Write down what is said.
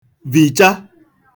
vìcha